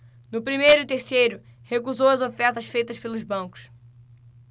no primeiro e terceiro recusou as ofertas feitas pelos bancos